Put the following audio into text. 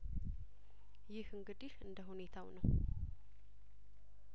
ይህ እንግዲህ እንደሁኔታው ነው